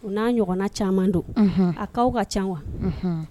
O n'a ɲɔgɔnna caaman don , unun, a cas ka caa quoi unhun.